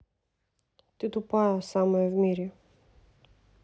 ты тупая самое в мире